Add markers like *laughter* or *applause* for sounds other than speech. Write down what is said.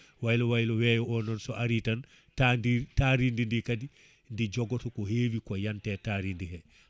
*breath* waylo waylo weeyo o noon so ari tan tadi taridi ndi kadi ndi jogoto ko heewi ko yante tari ndi he *breath*